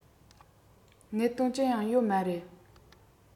གནད དོན ཅི ཡང ཡོད མ རེད